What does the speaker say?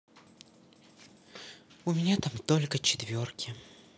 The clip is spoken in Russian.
у меня там только четверки